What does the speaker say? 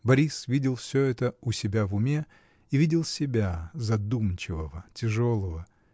Борис видел всё это у себя в уме и видел себя, задумчивого, тяжелого.